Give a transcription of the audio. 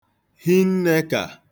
hinnē k̀à